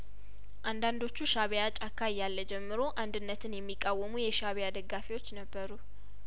አንዳንዶቹ ሻእቢያ ጫካ እያለ ጀምሮ አንድነትን የሚቃወሙ የሻእቢያ ደጋፊዎች ነበሩ